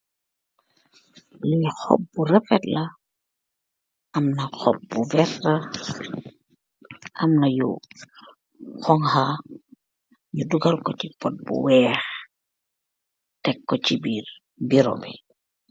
Lee hoppe bu rahfet la, amna hoppe bu veerta amna yu hougka , nuu dugal nko ce pot bu weeah Tek ku se beero bi.